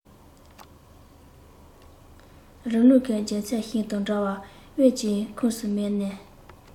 རི ཀླུང གི ལྗོན ཚལ ཞིག དང འདྲ བར དབེན ཅིང ཁུ སུམ མེར གནས